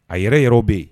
A yɛrɛ yɛrɛ bɛ yen.